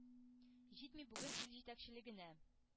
Җитми бүген ил җитәкчелегенә,